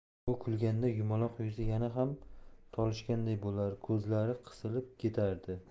u kulganda yumaloq yuzi yana ham to'lishganday bo'lar ko'zlari qisilib ketardi